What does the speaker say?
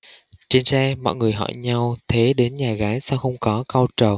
trên xe mọi người hỏi nhau thế đến nhà gái sao không có cau trầu